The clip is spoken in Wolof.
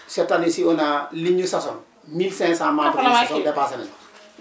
cette année ci on a li ñu ñu sasoon 1500 membres yi ñu ñu sasoon dépassé nañu ko